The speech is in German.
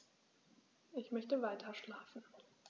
Ich möchte weiterschlafen.